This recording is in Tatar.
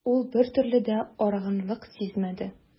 Ул бертөрле дә арыганлык сизмәде.